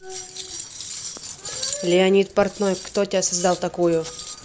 леонид портной кто тебя создал такую